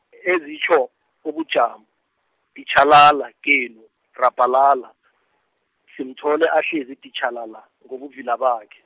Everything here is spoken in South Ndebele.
ezitjho ubujamo, datjhalala, genu, rabhalala, simthole ahlezi datjhalala ngobuvila bakhe.